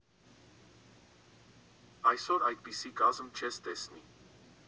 Այսօր այդպիսի կազմ չես տեսնի։